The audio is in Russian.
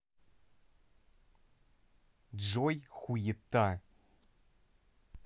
джой хуета